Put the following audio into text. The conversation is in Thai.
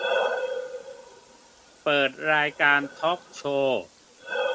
เปิดรายการทอล์คโชว์